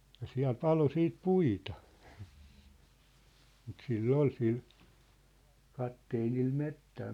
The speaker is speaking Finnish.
ja siellä paloi sitten puita mutta sillä oli sillä kapteenilla metsää